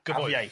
Gyfoeth.